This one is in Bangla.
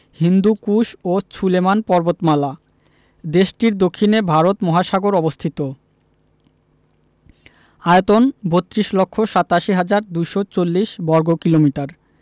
হিন্দুকুশ ও সুলেমান পর্বতমালাদেশটির দক্ষিণে ভারত মহাসাগর অবস্থিত আয়তন ৩২ লক্ষ ৮৭ হাজার ২৪০ বর্গ কিলোমিটার